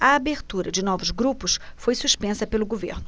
a abertura de novos grupos foi suspensa pelo governo